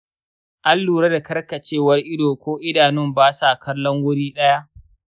an lura da karkacewar ido ko idanun ba sa kallon wuri ɗaya?